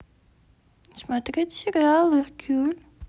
смотреть сериал эркюль